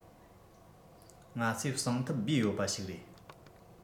ང ཚོས གསང ཐབས སྦས ཡོད པ ཞིག རེད